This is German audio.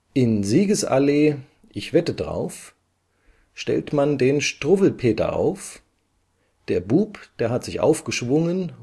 In Siegs-Allee, ich wette drauf / stellt man den Struwelpeter auf / der Bub der hat sich aufgeschwungen